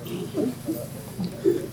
A'